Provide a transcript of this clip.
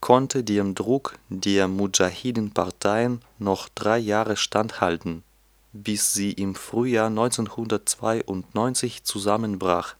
konnte dem Druck der Mudschahidinparteien noch drei Jahre standhalten, bis sie im Frühjahr 1992 zusammenbrach